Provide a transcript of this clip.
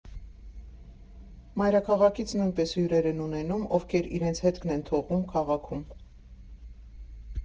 Մայրաքաղաքից նույնպես հյուրեր են ունենում, ովքեր իրենց հետքն են թողում քաղաքում։